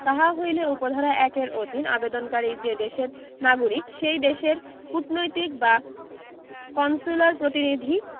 তাহা হইলে উপ ধারা ১ এর অধীন আবেদনকারী যে দেশের নাগরিক সেই দেশের কূটনৈতিক বা কনস্যুলার প্রতিনিধি